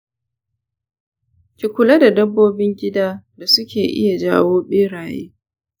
ki kula da dabbobin gida da suke iya jawo beraye.